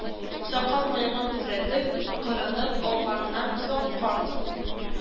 Сакал-мыегын төзәтеп, кырынып алганнан соң, карт